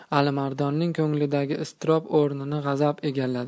alimardonning ko'nglidagi iztirob o'rnini g'azab egalladi